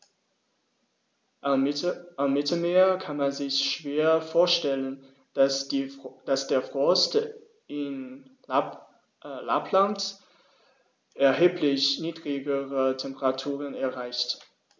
Am Mittelmeer kann man sich schwer vorstellen, dass der Frost in Lappland erheblich niedrigere Temperaturen erreicht.